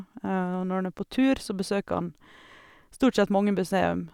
Og når en er på tur, så besøker en stort sett mange museum.